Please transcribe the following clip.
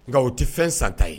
Nka o tɛ fɛn san ta ye